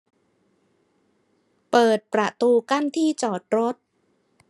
เปิดประตูกั้นที่จอดรถ